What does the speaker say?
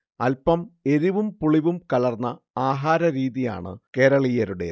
അല്പം എരിവും പുളിവും കലർന്ന ആഹാരരീതിയാണ് കേരളീയരുടേത്